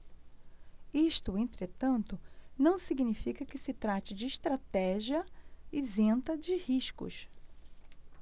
isso entretanto não significa que se trate de estratégia isenta de riscos